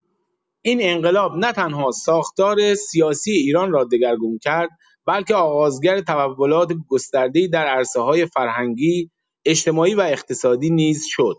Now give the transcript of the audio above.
این انقلاب نه‌تنها ساختار سیاسی ایران را دگرگون کرد بلکه آغازگر تحولات گسترده‌ای در عرصه‌های فرهنگی، اجتماعی و اقتصادی نیز شد.